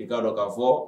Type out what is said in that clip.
I ka dɔn ka fɔ